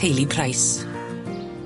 teulu Price.